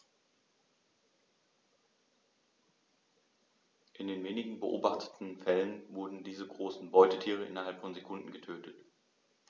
In den wenigen beobachteten Fällen wurden diese großen Beutetiere innerhalb von Sekunden getötet.